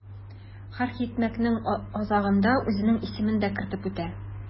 Һәр хикмәтнең азагында үзенең исемен дә кертеп үтә.